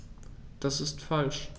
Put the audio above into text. Das ist falsch.